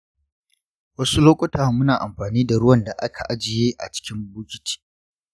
wasu lokuta muna amfani da ruwan da aka ajiye a cikin bukiti.